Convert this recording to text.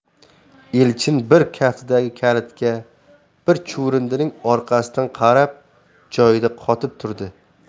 elchin bir kaftidagi kalitga bir chuvrindining orqasidan qarab joyida qotib turdi